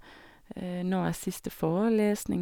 Når er siste forelesning?